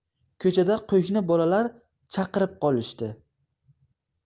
ko'chada qo'shni bolalar chaqirib qolishdi